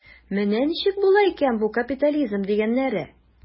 Менә ничек була икән бу капитализм дигәннәре.